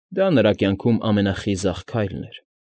Դա նրա կյանքում ամենախիզախ քայլն էր։